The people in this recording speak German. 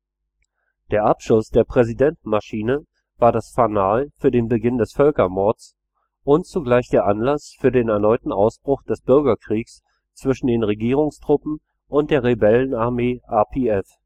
Der Abschuss der Präsidentenmaschine war das Fanal für den Beginn des Völkermords und zugleich der Anlass für den erneuten Ausbruch des Bürgerkriegs zwischen den Regierungstruppen und der Rebellenarmee RPF